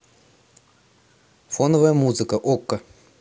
фоновая музыка окко